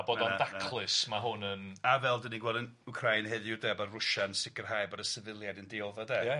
A bod o'n daclus ma' hwn yn A fel dan ni'n gweld yn Wcráin heddiw de bod Rwsia yn sicrhau bod y sifiliad yn dioddef de ia.